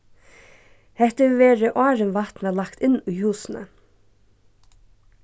hetta hevur verið áðrenn vatn varð lagt inn í húsini